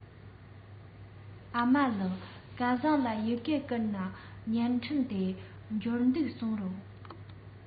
ཨ མ ལགས སྐལ བཟང ལ ཡི གེ བསྐུར ན བརྙན འཕྲིན དེ འབྱོར འདུག གསུངས རོགས